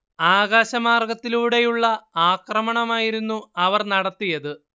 ആകാശമാർഗ്ഗത്തിലൂടെയുള്ള ആക്രമണമായിരുന്നു അവർ നടത്തിയത്